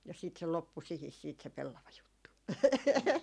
ja sitten se loppui siihen sitten se pellavajuttu